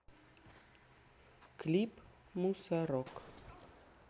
клип мусорок